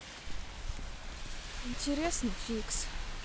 интересный фикс